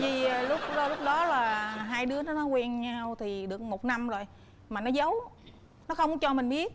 dì lúc lúc đó là hai đứa nó nó quen nhau thì được một năm rồi mà nó dấu nó hông có cho mình biết